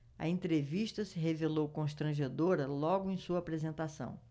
a entrevista se revelou constrangedora logo em sua apresentação